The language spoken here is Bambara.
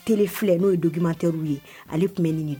T filɛ n'o ye donkimatɛr ye ale tun ni nin